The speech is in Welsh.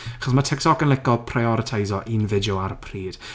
Achos mae TikTok yn lico prioriteiso un fideo ar y pryd.